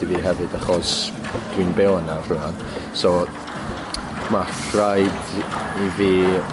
i fi hefyd achos dwi'n byw yna rhŵan so ma' rhaid i i fi